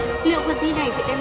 liệu phần thi